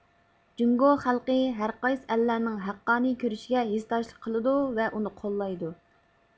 جۇڭگو خەلقى ھەرقايسى ئەللەرنىڭ ھەققانىي كۈرىشىگە ھېسداشلىق قىلىدۇ ۋە ئۇنى قوللايدۇ